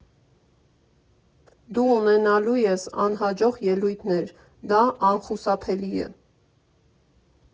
Դու ունենալու ես անհաջող ելույթներ, դա անխուսափելի է։